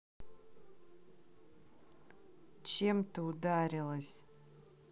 чем ты ударилась